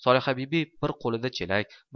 solihabibi bir ko'lida chelak